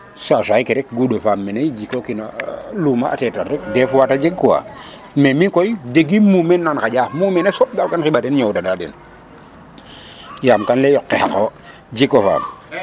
Saasay ke rek nguuɗo faam mene jikookin luma a tetar rek dés fois ta jeg quoi mais mi koy jegim muumeen nam xaƴa. Muumeenes fop dal kan xiɓaa den ñoowna na den yaam kam lay e yoqee xaq o yik o faam